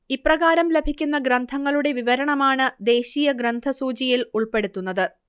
ഇപ്രകാരം ലഭിക്കുന്ന ഗ്രന്ഥങ്ങളുടെ വിവരണമാണ് ദേശീയ ഗ്രന്ഥസൂചിയിൽ ഉൾപ്പെടുത്തുന്നത്